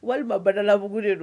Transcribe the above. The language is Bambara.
Walima bada labuguugu de don